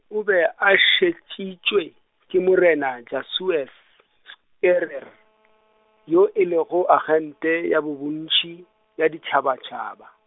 o be a šetšitšwe ke morena Jasues Scherrer, yo e lego agente ya bobontšhi, ya ditšhabatšhaba.